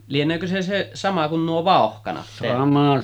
lieneekö se se sama kuin nuo vauhkanat täällä